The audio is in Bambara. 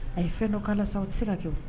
A ye fɛn dɔ k' la sisan aw tɛ se ka kɛ